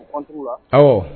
O contre la awɔ.